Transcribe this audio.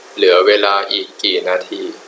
เหลือเวลาอีกกี่นาที